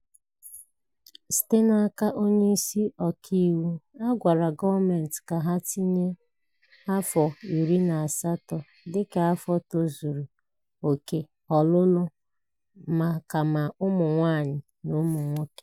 Site n'aka onyeisi ọkaiwu, a gwara gọọmentị ka ha tinye afọ 18 dịka afọ tozuru oke ọlụlụ maka ma ụmụ nwaanyị ma ụmụ nwoke.